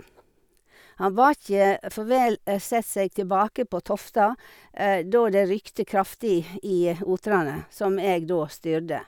Han var ikke for vel satt seg tilbake på tofta da det rykket kraftig i otrene, som jeg da styrte.